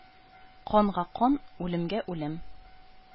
Канга кан, үлемгә үлем